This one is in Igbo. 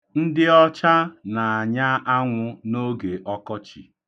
Ndị ọcha na-anya anwụ n'oge ọkọchị.